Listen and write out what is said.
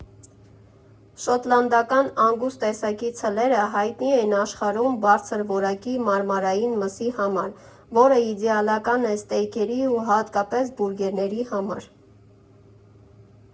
Շոտլանդական անգուս տեսակի ցլերը հայտնի են աշխարհում բարձր որակի մարմարային մսի համար, որը իդեալական է սթեյքերի ու հատկապես բուրգերների համար։